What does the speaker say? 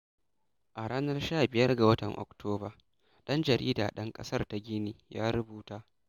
A ranar 15 ga watan Oktoba, ɗan jarida ɗan ƙasar ta Gini ya rubuta: